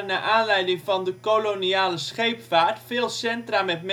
aanleiding van de koloniale scheepvaart veel centra met